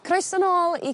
Croes nôl i...